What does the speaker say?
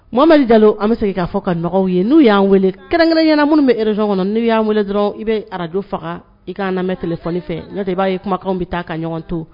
Ma jalo an bɛ se i k'a fɔ ka nɔgɔw ye n'u y'an weele kɛrɛn ɲɛna minnu bɛ e son kɔnɔ'u y'an weele dɔrɔn i bɛ araj faga i ka na mɛn t fɔ fɛ no de b'a ye kumakan bɛ taa ka ɲɔgɔn to